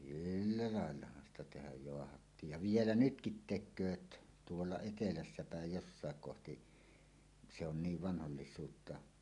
sillä laillahan sitä tehdä jaahattiin ja vielä nytkin tekevät tuolla etelässä päin jossakin kohti se on niin vanhoillisuutta